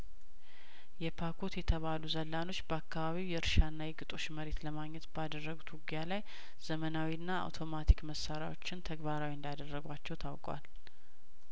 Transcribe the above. የፓኮት የተባሉ ዘላኖች በአካባቢው የእርሻ እና የግጦሽ መሬት ለማግኘት ባደረጉት ውጊያ ላይ ዘመናዊ እና አውቶማቲክ መሳሪያዎችን ተግባራዊ እንዳደረጓቸው ታውቋል